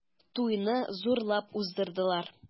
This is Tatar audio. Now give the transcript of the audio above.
Туйны зурлап уздырдылар.